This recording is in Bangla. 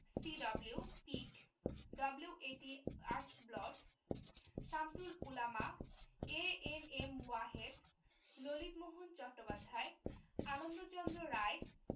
C W. Peake W A T. Archbold Shamsul Ulama A N M Wahed Lalitmohan Chattopadhyay Anandachandra Roy